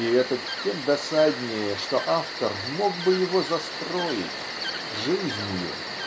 и это тем досаднее, что автор мог бы его застроить - жизнью.